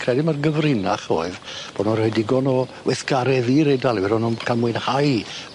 Credu ma'r gyfrinach oedd bo' nw'n roi digon o weithgareddi i'r Eidalwyr o'n nw'n ca'l mwynhau.